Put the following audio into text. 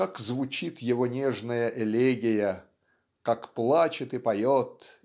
как звучит его нежная элегия как плачет и поет